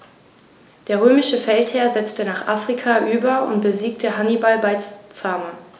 Der römische Feldherr setzte nach Afrika über und besiegte Hannibal bei Zama.